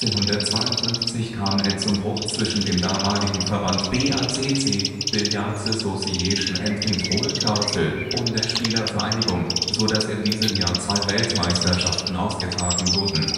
1952 kam es zum Bruch zwischen dem damaligen Verband BACC (Billards Association and Control Council) und der Spielervereinigung, sodass in diesem Jahr zwei Weltmeisterschaften ausgetragen wurden